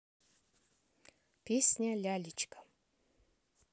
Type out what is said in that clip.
песня лялечка